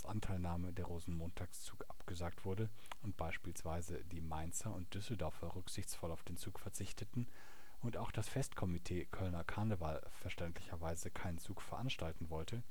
Anteilnahme der Rosenmontagszug abgesagt wurde, und beispielsweise die Mainzer und Düsseldorfer rücksichtsvoll auf den Zug verzichteten, und auch das Festkomitee Kölner Karneval verständlicherweise keinen Zug veranstalten wollte